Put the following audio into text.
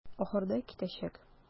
Ахырда китәчәк.